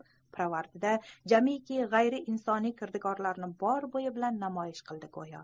pirovardida jamiiki g'ayriinsoniy kirdikorlarni bor bo'yi bilan namoyish qildi go'yo